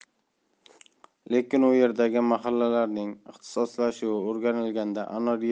lekin u yerdagi mahallalarning ixtisoslashuvi o'rganilganda anor